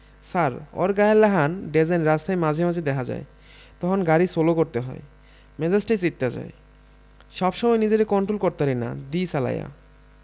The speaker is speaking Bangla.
ছার অর গায়ের লাহান ডেজাইন রাস্তায় মাঝে মাঝে দেহা যায় তহন গাড়ি সোলো করতে হয় মেজাজটাই চেইত্তা যায় সব সময় নিজেরে কন্টোল করতারি না দি চালায়া.